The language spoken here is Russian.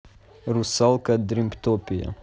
русалка дримтопия